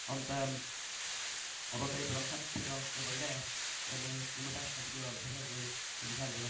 ond yym, oedd o'n deud bod o'n campio efo'i fêts yn y, ddim yn bell o lle ddigwyddodd, ddaeth yr heddlu fynd i siarad efo nhw.